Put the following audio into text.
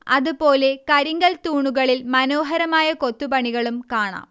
അതുപോലെ കരിങ്കൽ തൂണുകളിൽ മനോഹരമായ കൊത്തുപണികളും കാണാം